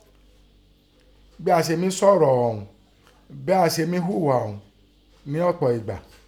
Bẹ́n a se mí sọ̀rọ̀ òun bẹ́ a se mí hùghà nẹ́ ọ̀pọ̀ ẹ̀gbà